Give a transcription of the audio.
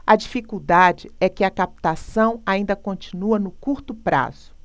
a dificuldade é que a captação ainda continua no curto prazo